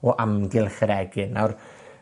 o amgylch yr egin. Nawr,